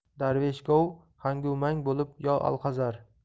darvesh gov hangu mang bo'lib yo alhazar